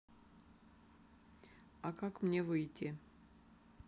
а как мне выйти